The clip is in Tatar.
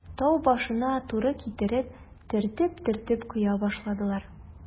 Тау башына туры китереп, төртеп-төртеп коя башладылар.